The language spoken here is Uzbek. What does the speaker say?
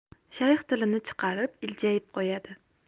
shayx tilini chiqarib iljayib qo'yadi